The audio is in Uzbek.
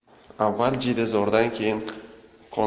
avval jiydazordan keyin qonqus